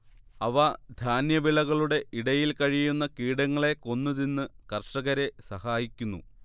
അവ ധാന്യവിളകളുടെ ഇടയിൽ കഴിയുന്ന കീടങ്ങളെ കൊന്ന് തിന്ന് കർഷകരെ സഹായിക്കുന്നു